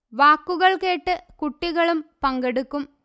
വാക്കുകൾ കേട്ട് കുട്ടികളും പങ്കെടുക്കും